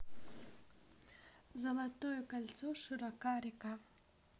золотое кольцо широка река